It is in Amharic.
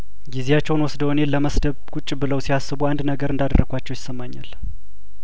ጊዜያቸውን ወስደው እኔን ለመስደብ ቁጭ ብለው ሲያስቡ አንድ ነገር እንዳደረኳቸው ይሰማኛል